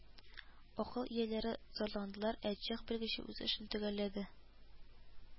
Акыл ияләре зарландылар, ә чех белгече үз эшен төгәлләде